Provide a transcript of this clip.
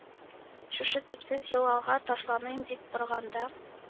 Шушы төпсез елгага ташланыйм дип барганда,